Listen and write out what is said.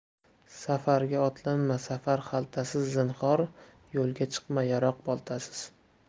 safaiga otlanma safar xaltasiz zinhor yo'lga chiqma yaroq boltasiz